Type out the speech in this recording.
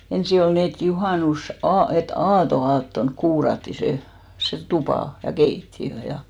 ensin oli niin että - et aatonaattona kuurattiin se se tupa ja keittiö ja